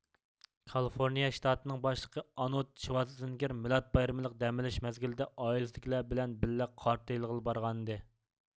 كالىفورنىيە شتاتىنىڭ باشلىقى ئانود شىۋادسېنگىر مىلاد بايرىمىلىق دەم ئېلىش مەزگىلىدە ئائىلىسىدىكىلەر بىلەن بىللە قار تېيىلغىلى بارغانىدى